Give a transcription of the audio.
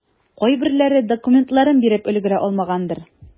Кайберләре документларын биреп өлгерә алмагандыр.